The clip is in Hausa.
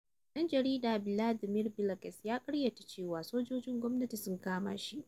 ɗan jarida ɓladimir ɓillages ya ƙaryata cewa sojojin gwamnati sun kama shi: